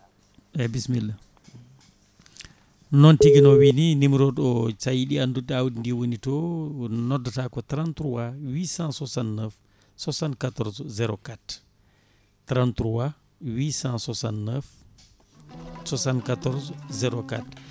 eyyi bisimilla noon tigui no wiini numéro sa yiiɗi andude to awdi ndi woni to noddata ko 33 869 74 04 33 869 74 04